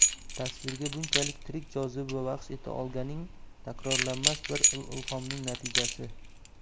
tasvirga bunchalik tirik joziba baxsh eta olganing takrorlanmas bir ilhomning natijasi